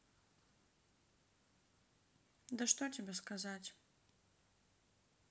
да что тебе сказать